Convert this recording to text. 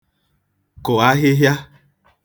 kụ̀ ahịhịa